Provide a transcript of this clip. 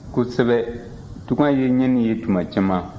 kosɛbɛ tunga ye ɲɛni ye tuma caman